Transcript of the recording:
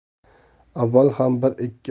avval ham bir ikki